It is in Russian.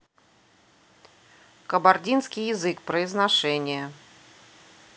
кабардинский язык произношение